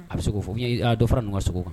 A bɛ se k' fɔ n'i dɔ fara ɲɔgɔn ka sogo kan